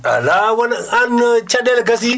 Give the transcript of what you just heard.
alaa waɗa an caɗeele gasii